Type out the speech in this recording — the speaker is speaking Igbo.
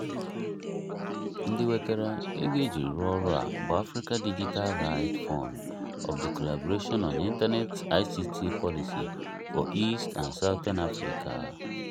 Ndị wetara ego e ji rụọ ọrụ a bụ Africa Digital Rights Fund of The Collaboration on International ICT Policy for East and Southern Africa.